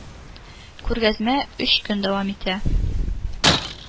Күргәзмә өч көн дәвам итә